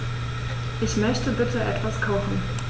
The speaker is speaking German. Ich möchte bitte etwas kochen.